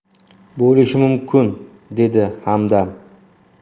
bo'lishi mumkin dedi hamdam